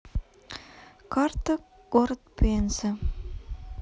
карта город пенза